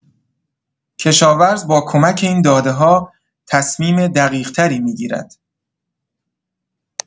کشاورز با کمک این داده‌ها تصمیم دقیق‌تری می‌گیرد.